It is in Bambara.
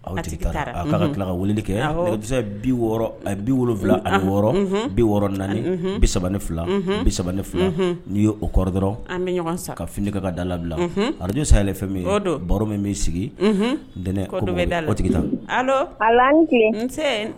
A tigi k'a ka tila ka wuli kɛ bi wɔɔrɔ bi wolowula ani wɔɔrɔ bi wɔɔrɔ naani bisa ne fila bisa ne fila n'i ye o kɔrɔ dɔrɔn ka fini ka ka da labila araj sa fɛn baro min b'i sigi n ntɛnɛn bɛ da tigi tan